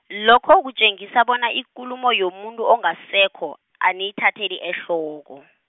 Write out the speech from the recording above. lokho kutjengisa bona ikulumo yomuntu ongasekho, aniyithatheli ehloko.